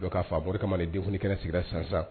Don ka fabɔri kama denkɛnɛ sigira sisansan